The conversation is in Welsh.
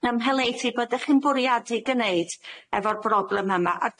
ymheleuthu bod 'ych chi'n bwriadu gneud efo'r broblem yma a